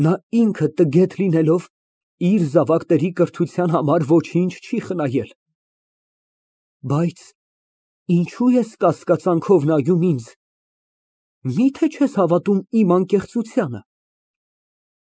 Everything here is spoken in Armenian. Նա ինքը տգետ լինելով, իր զավակների կրթության համար ոչինչ չի խնայել։ (Դադար) Բայց ինչո՞ւ ես կասկածանքով նայում ինձ, միթե չե՞ս հավատում իմ անկեղծությանը։